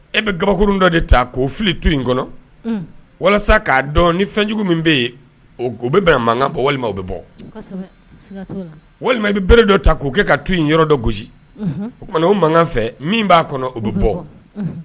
E bɛ kabakurun dɔ de ta k'o fili tu in kɔnɔ, un, walasa k'a dɔn ni fɛnjugu min bɛ yen o o bɛ bɛn mankan ko walima o bɛ bɔ, kosɛbɛ, siga t'o la, walima i bɛ bere dɔ ta k'o kɛ ka tu in yɔrɔ dɔ gosi, unhun, o tumana o mankan fɛ min b'a kɔnɔ o bɛ bɔ, unhun